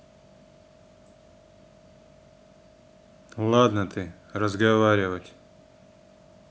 ладно ты разговаривать